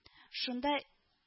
Шунда